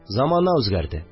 Замана үзгәрде